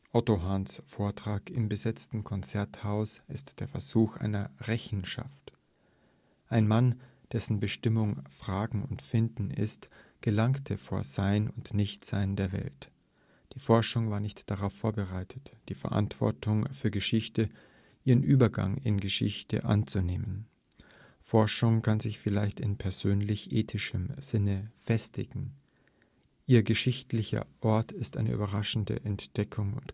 Otto Hahns Vortrag im besetzten Konzerthaus ist der Versuch einer Rechenschaft: Ein Mann, dessen Bestimmung Fragen und Finden ist, gelangte vor Sein und Nichtsein der Welt; die Forschung war nicht darauf vorbereitet, die Verantwortung für Geschichte, ihren Übergang in Geschichte anzunehmen. Forschung kann sich vielleicht in persönlich-ethischem Sinne festigen; ihr geschichtlicher Ort ist eine überraschende Entdeckung